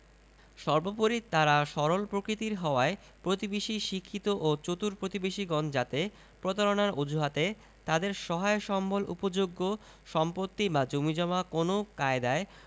সর্বপরি তারা সরল প্রকৃতির হওয়ায় প্রতিবেশী শিক্ষিত ও চতুর প্রতিবেশীগণ যাতে প্রতারণার অজুহাতে তাদের সহায় সম্ভল উপযোগ্য সম্পত্তি বা জমিজমা কোনও কায়দায়